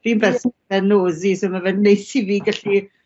fi'n berson nosey so ma' fe'n neis i fi gallu